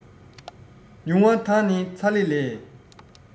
ཡུང བ དང ནི ཚ ལེ ལས